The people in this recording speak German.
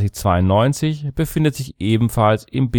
3192 befindet sich ebenfalls im